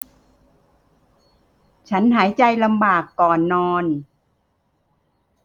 ฉันหายใจลำบากก่อนนอน